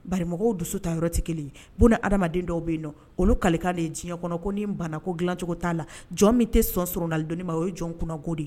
Bari mɔgɔw dusu ta yɔrɔ tɛ kelen ye buna adamaden dɔw bɛ yen nɔ, olu kalen kan de ye ko diɲɛ kɔnɔ, ko ni bana dilancogo t'a la jɔn min tɛ sɔ surunalidonni ma o ye jɔn kunnako de ye.